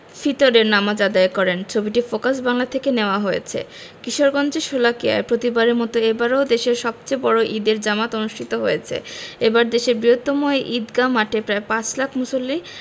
ফিতরের নামাজ আদায় করেন ছবিটি ফোকাস বাংলা থেকে নেয়া হয়েছে কিশোরগঞ্জের শোলাকিয়ায় প্রতিবারের মতো এবারও দেশের সবচেয়ে বড় ঈদের জামাত অনুষ্ঠিত হয়েছে এবার দেশের বৃহত্তম এই ঈদগাহ মাঠে প্রায় পাঁচ লাখ মুসল্লি